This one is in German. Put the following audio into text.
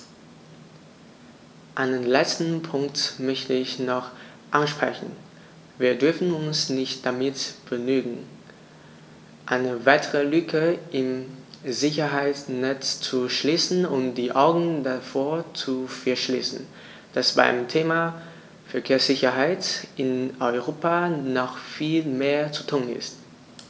Einen letzten Punkt möchte ich noch ansprechen: Wir dürfen uns nicht damit begnügen, eine weitere Lücke im Sicherheitsnetz zu schließen und die Augen davor zu verschließen, dass beim Thema Verkehrssicherheit in Europa noch viel mehr zu tun ist.